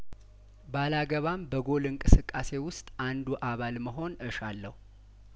ባላ ገባም በጐል እንቅስቃሴ ውስጥ አንዱ አባል መሆን እሻለሁ